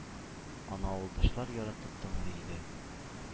Аны авылдашлар яратып тыңлый иде.